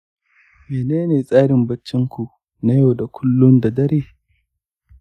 menene tsarin baccin ku na yau da kullun da daddare?